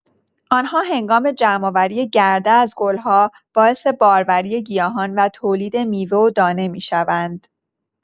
آنها هنگام جمع‌آوری گرده از گل‌ها باعث باروری گیاهان و تولید میوه و دانه می‌شوند.